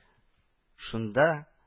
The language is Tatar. Шунда